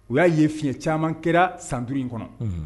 O y'a ye fiɲɛyɛn caman kɛra santuru in kɔnɔ